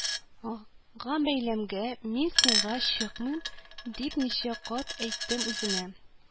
Ңа бәйләнмә, мин сиңа чыкмыйм, дип, ничә кат әйттем үзенә